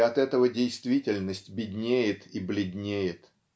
и от этого действительность беднеет и бледнеет.